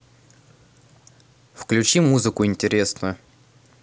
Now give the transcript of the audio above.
включи музыку интересную